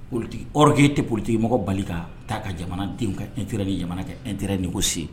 Olu okee tɛ politigimɔgɔ bali ka ta ka jamanaden ka e ni jamana kɛ e teri nin ko se